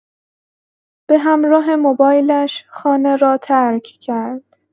به همراه موبایلش خانه را ترک کرد.